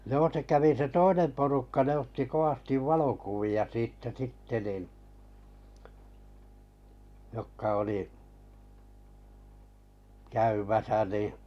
joo se kävi se toinen porukka ne otti kovasti valokuvia siitä sitten niin jotka oli käymässä niin